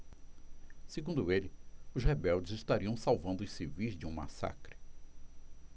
segundo ele os rebeldes estariam salvando os civis de um massacre